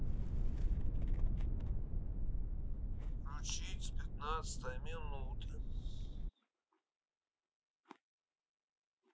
включить с пятнадцатой минуты